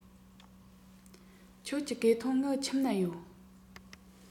ཁྱོད ཀྱི གོས ཐུང ངའི ཁྱིམ ན ཡོད